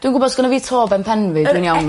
Dwi gwbo' os gynno fi to a' fy mhen fi dwi'n iawn.